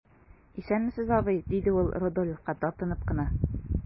Исәнмесез, абый,– диде ул Рудольфка, тартынып кына.